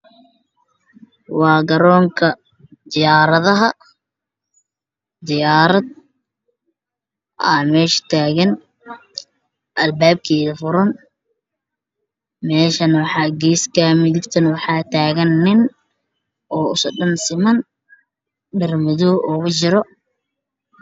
Waa garoon ka diyaarda ha ee aadan cade waxaa taagan diyaarad